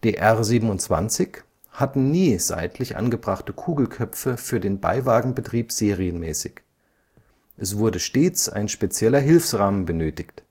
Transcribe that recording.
R 27 hatten nie seitlich angebrachte Kugelköpfe für den Beiwagenbetrieb serienmäßig. Es wurde stets ein spezieller Hilfsrahmen benötigt